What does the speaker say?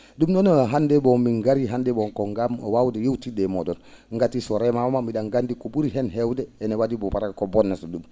?um noon hannde bon min ngarii hannde bon ko ngam waawde yeewtidde e moo?on ngati so remaama mbi?en ganndi ko ?uri heen hewde ene wa?i bo para* ko bonnata ?um